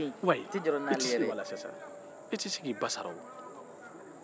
i tɛ se k'i ba sara o